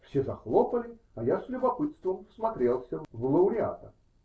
Все захлопали, а я с любопытством всмотрелся в лауреата.